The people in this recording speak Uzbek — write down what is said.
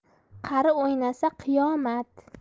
qari o'ynasa qiyomat